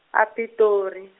a- Pitori.